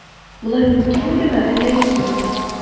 Болай мөмкин идеме, әллә юкмы?